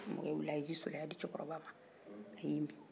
ne mɔkɛ wulila a ye ji soli ka di cɛkɔrɔba ma k'i min